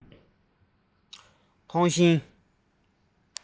ཐང ཤིང